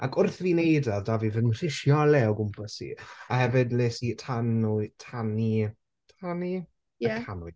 Ac wrth i fi wneud e oedd 'da fi fy ngrisialau o gwmpas i a hefyd wnes i tanwy tanu tanu?... ie. ...cannwyll.